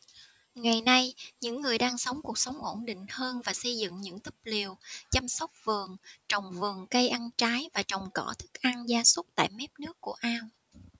ngày nay những người đang sống cuộc sống ổn định hơn và xây dựng những túp lều chăm sóc vườn trồng vườn cây ăn trái và trồng cỏ thức ăn gia súc tại mép nước của ao